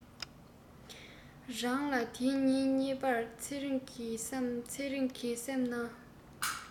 རང ལ དེའི ཉིན གཉིས པར ཚེ རིང གི བསམ ཚེ རིང གི སེམས ནང